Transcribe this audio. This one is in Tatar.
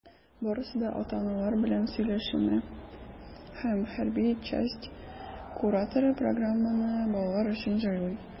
Барысы да ата-аналар белән сөйләшенә, һәм хәрби часть кураторы программаны балалар өчен җайлый.